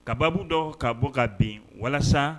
Ka baabu dɔn ka bɔ ka bin walasa